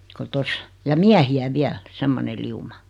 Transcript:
kun tuossa ja miehiä vielä semmoinen lauma